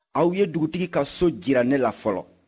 aw ye dugutigi ka so yɔrɔ jira ne la fɔlɔ